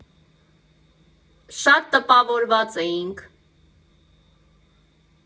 Շատ տպավորված էինք։